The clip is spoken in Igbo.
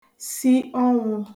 si ọnwụ̄